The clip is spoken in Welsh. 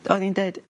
O'dd 'i'n deud...